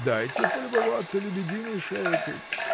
Дайте полюбоваться лебединой шейкой.